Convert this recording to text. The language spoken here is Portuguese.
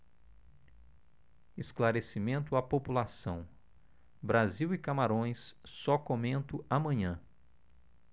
esclarecimento à população brasil e camarões só comento amanhã